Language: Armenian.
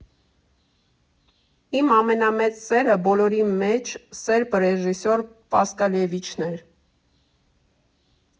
Իմ ամենամեծ սերը բոլորի մեջ սերբ ռեժիսոր Պասկալևիչն էր։